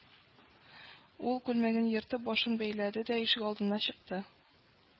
Ул, күлмәген ертып, башын бәйләде дә ишегалдына чыкты